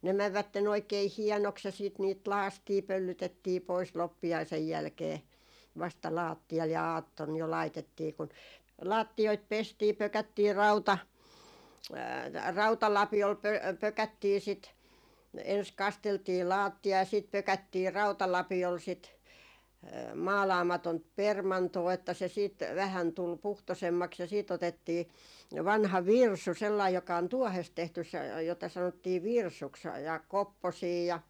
ne menivät oikein hienoksi ja sitten niitä lakaistiin pöllytettiin pois loppiaisen jälkeen vasta lattialle ja aattona jo laitettiin kun lattioita pestiin pökättiin - rautalapiolla - pökättiin sitä ensin kasteltiin lattia ja sitten pökättiin rautalapiolla sitten maalaamatonta permantoa että se sitten vähän tuli puhtoisemmaksi ja sitten otettiin vanha virsu sellainen joka on tuohesta tehty se jota sanottiin virsuksi ja kopposia ja